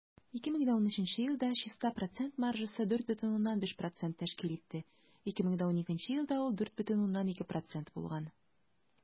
2013 елда чиста процент маржасы 4,5 % тәшкил итте, 2012 елда ул 4,2 % булган.